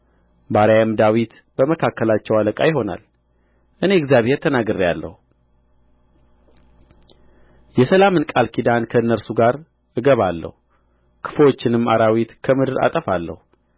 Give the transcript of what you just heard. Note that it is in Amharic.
ባሪያዬም ዳዊት በመካከላቸው አለቃ ይሆናል እኔ እግዚአብሔር ተናግሬአለሁ የሰላምን ቃል ኪዳን ከእነርሱ ጋር እገባለሁ ክፉዎችንም አራዊት ከምድር አጠፋለሁ